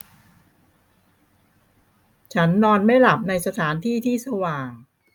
ฉันนอนไม่หลับในสถานที่ที่สว่าง